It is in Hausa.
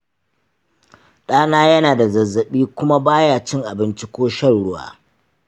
ɗana yana da zazzabi kuma baya cin abinci ko shan ruwa